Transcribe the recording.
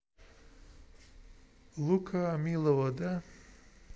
лука милого да